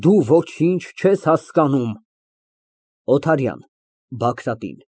Դու ոչինչ չես հասկանում։ ՕԹԱՐՅԱՆ ֊ (Բագրատին)